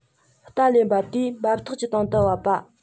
རྟ ལས འབབ དུས འབབ སྟེགས ཀྱི སྟེང དུ བབས པ